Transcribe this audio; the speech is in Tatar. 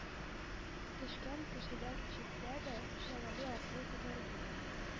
Төшкән кешедән ишетсә дә, шәвәли абзый күтәрелеп